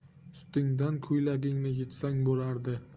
ustingdan ko'ylagingni yechsang bo'lardi